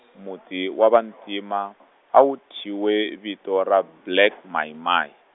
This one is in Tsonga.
muti wa vantima , a wu tyhiwe vito ra Black Mai Mai.